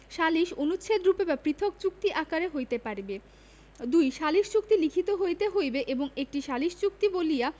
সালিস অনুচ্ছেদরূপে বা পৃথক চুক্তি আকারে হইতে পারিবে ২ সালিস চুক্তি লিখিত হইতে হইবে এবং একটি সালিস চুক্তি বলিয়া